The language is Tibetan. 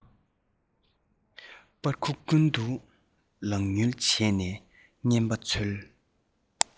པར ཁུག ཀུན ཏུ ལག ཉུལ བྱས ནས རྔན པ འཚོལ